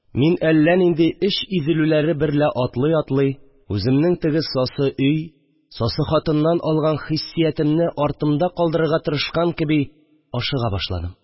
Мин әллә нинди эч изелүләре берлә атлый-атлый, үземнең теге сасы өй, сасы хатыннан алган хиссиятемне артымда калдырырга тырышкан кеби ашыга башладым